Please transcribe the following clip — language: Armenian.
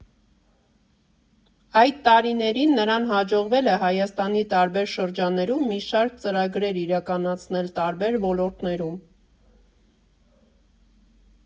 Այդ տարիներին նրան հաջողվել է Հայաստանի տարբեր շրջաններում մի շարք ծրագրեր իրականացնել տարբեր ոլորտներում։